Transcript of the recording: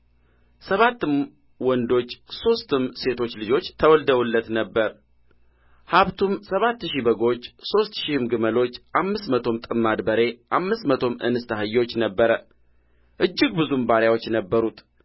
ሰባትም ወንዶች ሦስትም ሴቶች ልጆች ተወልደውለት ነበር ሀብቱም ሰባት ሺህ በጎች ሦስት ሺህም ግመሎች አምስት መቶም ጥማድ በሬ አምስት መቶም እንስት አህዮች ነበረ እጅግ ብዙም ባሪያዎች ነበሩት